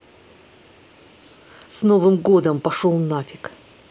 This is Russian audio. с новым годом пошел нафиг